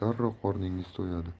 darrov qorningiz to'yadi